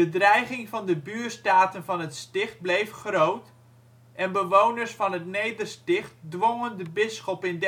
dreiging van de buurstaten van het Sticht bleef groot, en bewoners van het Nedersticht dwongen de bisschop in 1375 de